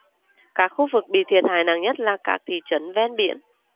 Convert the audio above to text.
các khu vực bị thiệt hại nặng nhất là các thị trấn ven biển